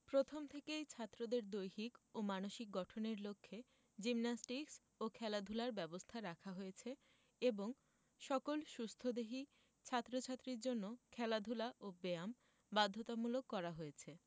প্রথম থেকেই ছাত্রদের দৈহিক ও মানসিক গঠনের লক্ষ্যে জিমনাস্টিকস ও খেলাধুলার ব্যবস্থা রাখা হয়েছে এবং সকল সুস্থদেহী ছাত্র ছাত্রীর জন্য খেলাধুলা ও ব্যায়াম বাধ্যতামূলক করা হয়েছে